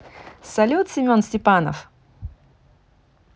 салют семен степанов